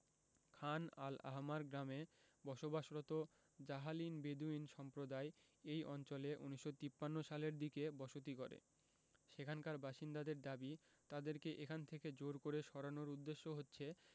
খান al Ahmar গ্রামে বসবাসরত Jahalin Bedouin সম্প্রদায় এই অঞ্চলে ১৯৫৩ সালের দিকে বসতি গড়ে সেখানকার বাসিন্দাদের দাবি তাদেরকে এখান থেকে জোর করে সরানোর উদ্দেশ্য হচ্ছে